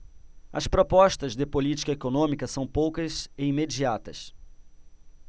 as propostas de política econômica são poucas e imediatas